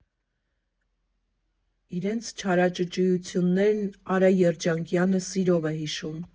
Իրենց չարաճճիություններն Արա Երնջակյանը սիրով է հիշում.